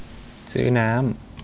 ซื้อน้ำ